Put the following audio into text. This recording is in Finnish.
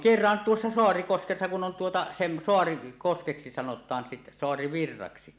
kerran tuossa Saarikoskessa kun on tuota - Saarikoskeksi sanotaan - Saarivirraksi